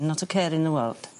not a care in the world.